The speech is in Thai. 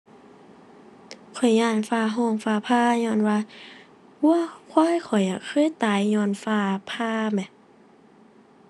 ข้อยย้านฟ้าร้อง ฟ้าผ่า ญ้อนว่าวัวควายข้อยอะ เคยตายญ้อนฟ้าผ่าแหม